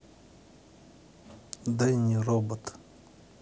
danny робот